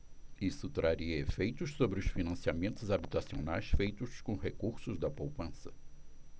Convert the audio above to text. isso traria efeitos sobre os financiamentos habitacionais feitos com recursos da poupança